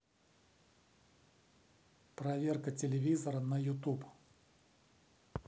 проверка телевизора на ютуб